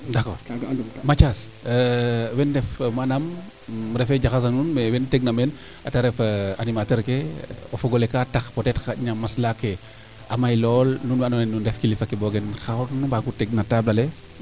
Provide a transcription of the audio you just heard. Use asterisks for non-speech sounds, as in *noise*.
d'accord Mathiase wene *hesitation* manaam refew jaxasa nuun ween teg na meen te ref animateur ke o fogole ka tax peut etre xaƴma masla ke a may lool nuun we ando naye nun ndef kilifa ke bogen xa nu mbaagu teg na table ale